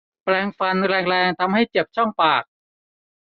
แปรงฟันแรงแรงทำให้เจ็บช่องปาก